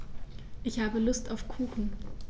Ich habe Lust auf Kuchen.